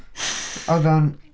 Oedd o'n...